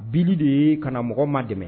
Bi de ye kana mɔgɔ ma dɛmɛ